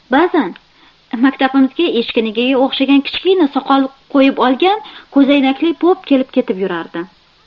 bazan maktabimizga echkinikiga o'xshagan kichkina soqol qo'yib olgan ko'zoynakli pop kelib ketib yurardi